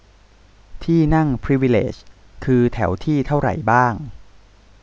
ที่นั่งพรีวิเลจคือแถวที่เท่าไหร่บ้าง